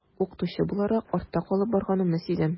Укытучы буларак артта калып барганымны сизәм.